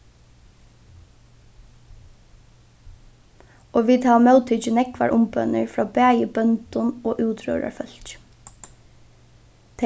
og vit hava móttikið nógvar umbønir frá bæði bóndum og útróðrarfólki